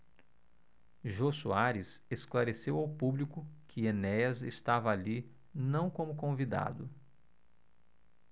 jô soares esclareceu ao público que enéas estava ali não como convidado